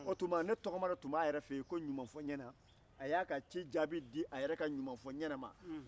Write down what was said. o tuma ne tɔgɔma dɔ tun b'a yɛrɛ fɛ yen ko ɲumanfɔ-n-ɲɛna a y'a ka ci jaabi di a yɛrɛ ka ɲumanfɔ-n-ɲɛna ma